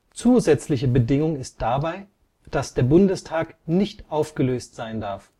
Zusätzliche Bedingung ist dabei, dass der Bundestag nicht aufgelöst sein darf